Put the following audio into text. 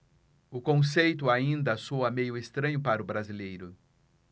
o conceito ainda soa meio estranho para o brasileiro